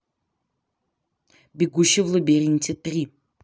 бегущий в лабиринте три